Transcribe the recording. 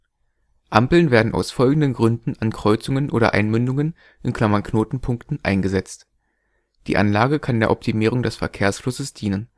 Ampeln werden aus folgenden Gründen an Kreuzungen oder Einmündungen (Knotenpunkten) eingesetzt: Die Anlage kann der Optimierung des Verkehrsflusses dienen